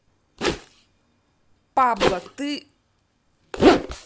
пабло ты